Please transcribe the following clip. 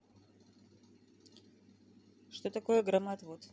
что такое громоотвод